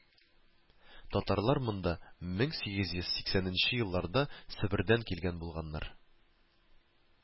Татарлар монда мең сигез йөз сиксәненче елларда Себердән килгән булганнар